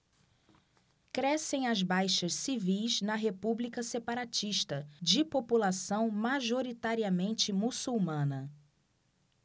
crescem as baixas civis na república separatista de população majoritariamente muçulmana